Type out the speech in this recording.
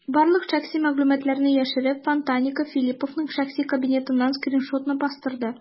Барлык шәхси мәгълүматларны яшереп, "Фонтанка" Филипповның шәхси кабинетыннан скриншотны бастырды.